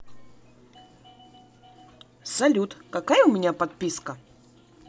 салют какая у меня подписка